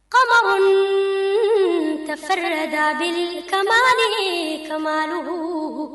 Kabasonin tɛ terikɛ da kamalenin kadugu